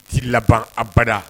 ' laban abada